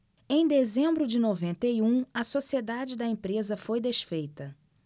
em dezembro de noventa e um a sociedade da empresa foi desfeita